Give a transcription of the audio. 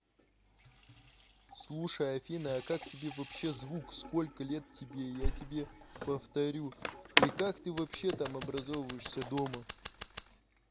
слушай афина а как тебя вообще зовут сколько тебе лет я тебе повторяю и как ты вообще там образовываешься дома